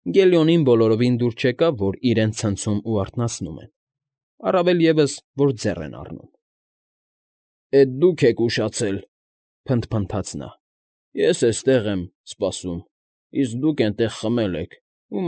Գելիոնին բոլորովին դուր չեկավ, որ իրեն ցնցում ու արթնացնում են, առավել ևս, որ ձեռ են առնում։ ֊ Էդ դուք եք ուշացել,֊ փնթփնթաց նա։֊ Ես էստեղ եմ սպասում, իսկ դուք էնտեղ խմել եք ու։